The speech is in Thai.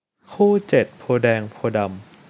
คู่เจ็ดโพธิ์แดงโพธิ์ดำ